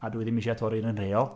A dwi ddim isie torri'r un rheol.